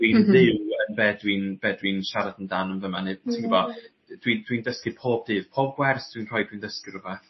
Dwi'n fyw yn be' dwi'n be' dwi'n siarad amdan yn fama neu ti'n gwbo dwi dwi'n dysgu pob dydd pob gwers dwi'n rhoid dwi'n dysgu rwbath.